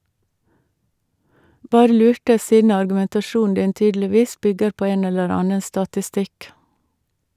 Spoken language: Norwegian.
Bare lurte, siden argumentasjonen din tydeligis bygger på en eller annen statistikk.